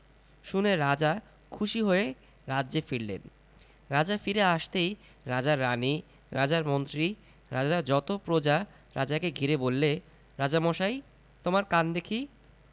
শুনে রাজা খুশি হয়ে রাজ্যে ফিরলেন রাজা ফিরে আসতেই রাজার রানী রাজার মন্ত্রী রাজার যত প্রজা রাজাকে ঘিরে বললে রাজামশাই তোমার কান দেখি